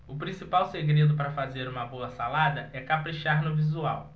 o principal segredo para fazer uma boa salada é caprichar no visual